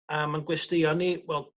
a ma'n gwesteion ni wel